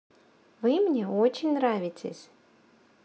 вы мне очень нравитесь